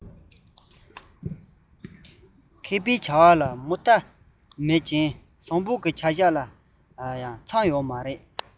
མཁས པའི བྱ བ ལ མུ མཐའ མེད ཅིང བཟང པོའི བྱ བཞག ལ ས མཚམས མེད